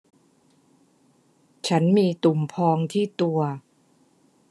ฉันมีตุ่มพองที่ตัว